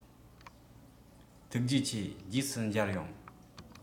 ཐུགས རྗེ ཆེ རྗེས སུ མཇལ ཡོང